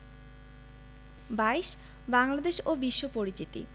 ২২ বাংলাদেশ ও বিশ্ব পরিচিতি